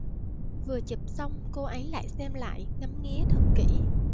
vừa chụp xong cô ấy lại xem lại ngắm nghía thật kỹ